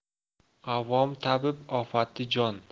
avom tabib ofati jon